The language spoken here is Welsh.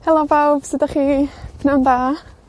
Helo bawb, sud 'dach chi. Pnawn da.